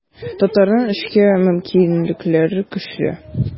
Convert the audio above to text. Татарның эчке мөмкинлекләре көчле.